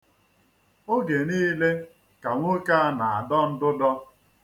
Oge niile ka nwoke a na-adọ ndụdọ.